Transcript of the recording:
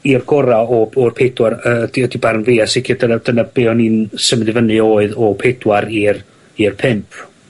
i'r gora o o'r pedwar yy 'di ydi barn fi a sicir dyna dyna be' o'n i symud i fyny oedd o pedwar i'r i'r pump.